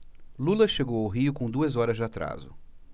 lula chegou ao rio com duas horas de atraso